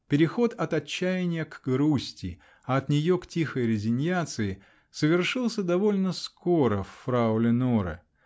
Переход от отчаяния -- к грусти, а от нее к "тихой резиньяции" совершился довольно скоро в фрау Леноре